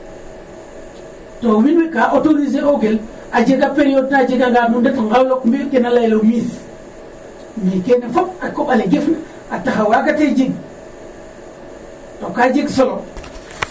to wiin we ka autoriser oogel a jega période na jegangaan nu ndet nqawlook kene na layel o miis. Mais kene fop a koƥ ale gefu a taxa kene waagatee jeg to ka jeg solo.